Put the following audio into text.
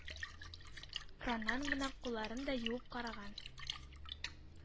Краннан гына кулларын да юып караган.